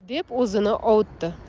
deb o'zini ovutdi